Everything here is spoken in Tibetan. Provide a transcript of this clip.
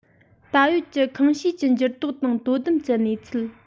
ད ཡོད ཀྱི ཁང གཞིས ཀྱི འགྱུར ལྡོག དང དོ དམ གྱི གནས ཚུལ